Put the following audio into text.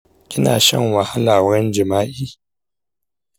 kina shan wahala wurin jima'i?